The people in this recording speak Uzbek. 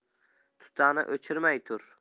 tutani o'chirmay tur